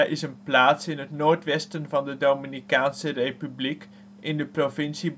is een plaats in het noordwesten van de Dominicaanse Republiek, in de provincie